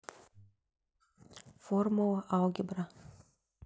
формула алгебра